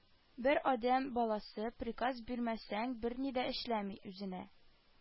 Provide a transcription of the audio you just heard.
Бер адәм баласы, приказ бирмәсәң, берни дә эшләми, үзенә